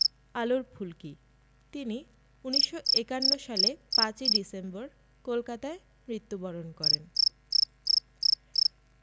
আলোর ফুলকি তিনি ১৯৫১ সালে ৫ই ডিসেম্বর কলকাতায় মৃত্যুবরণ করেন